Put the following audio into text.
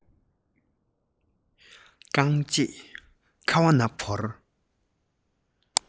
རྐང རྗེས ཁ བ ན བོར